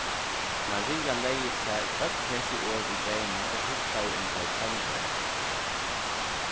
maria legði sær øll hesi orð í geyma og hugsaði um tey hvønn dag